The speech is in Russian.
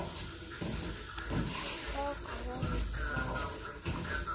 рыбалка ранней весной